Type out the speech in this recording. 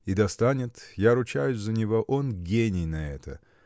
– И достанет; я ручаюсь за него: он гений на это.